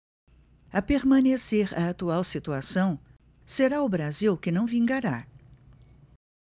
a permanecer a atual situação será o brasil que não vingará